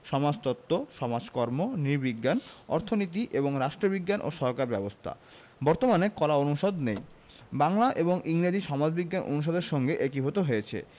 সমাজতত্ত্ব সমাজকর্ম নৃবিজ্ঞান অর্থনীতি এবং রাষ্ট্রবিজ্ঞান ও সরকার ব্যবস্থা বর্তমানে কলা অনুষদ নেই বাংলা এবং ইংরেজি সমাজবিজ্ঞান অনুষদের সঙ্গে একীভূত হয়েছে